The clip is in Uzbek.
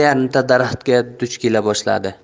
yarimta daraxtga duch kela boshladilar